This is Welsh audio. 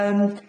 Yym.